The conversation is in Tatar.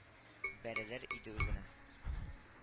Бәрелер иде үзенә